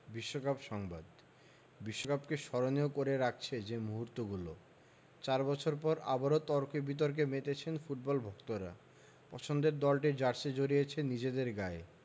বিশ্বকাপ সংবাদ বিশ্বকাপকে স্মরণীয় করে রাখছে যে মুহূর্তগুলো চার বছর পর আবারও তর্ক বিতর্কে মেতেছেন ফুটবল ভক্তরা পছন্দের দলটির জার্সি জড়িয়েছেন নিজেদের গায়ে